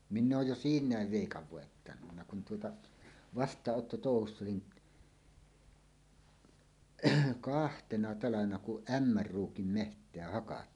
minä olen jo siinä veikan voittanut kun tuota vastaanottotouhussa olin kahtena talvena kun Ämmän ruukin metsää hakattiin